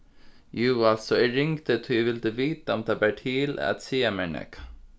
jú altso eg ringdi tí eg vildi vita um tað bar til at siga mær nakað